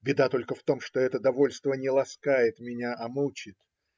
Беда только в том, что это довольство не ласкает меня, а мучит.